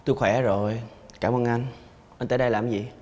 tôi khỏe rồi cảm ơn anh anh tới đây làm gì